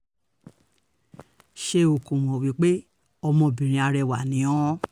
Ṣé o kò mọ̀ wípé ọmọbìnrin arẹwà ni ọ́ ?